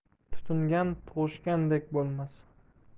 tutingan tug'ishgandek bo'lmas